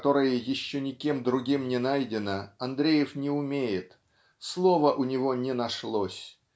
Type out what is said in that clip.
которое еще никем другим не найдено Андреев не умеет слова у него не нашлось.